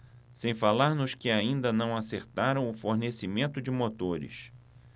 sem falar nos que ainda não acertaram o fornecimento de motores